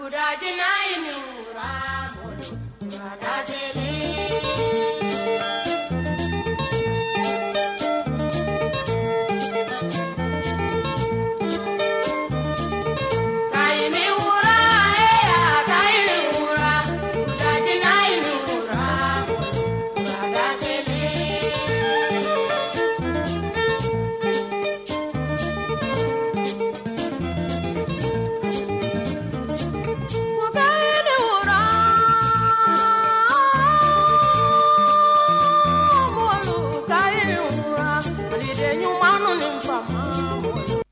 Wulajɛ in ka jigin ja inkari wa kun